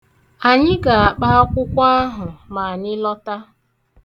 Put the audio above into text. Anyị ga-akpa akwụkwọ ahụ ma anyị lọta.